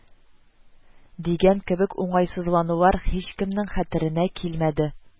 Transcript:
" дигән кебек уңайсызланулар һичкемнең хәтеренә килмәде